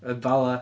Yn Bala.